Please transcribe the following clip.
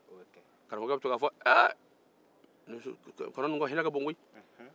karamɔgɔkɛ be to k'a fɔ ee kɔnɔ ninnu hinɛ ka bon koyi